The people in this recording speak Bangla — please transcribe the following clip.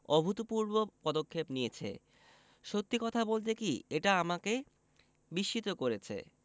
অভূতপূর্ণ পদক্ষেপ নিয়েছে সত্যি কথা বলতে কি এটা আমাকে বিস্মিত করেছে